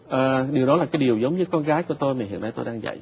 à điều đó là cái điều giống như con gái của tôi mà hiện nay tôi đang dạy